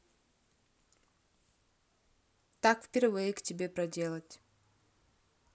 так впервые к тебе проделать